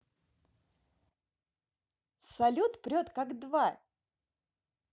салют прет как два